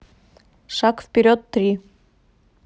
шаг вперед три